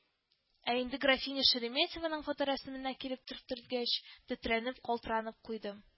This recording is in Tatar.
Ә инде графиня Шереметеваның фоторәсеменә килеп төртелгәч, тетрәнеп, калтыранып куйдым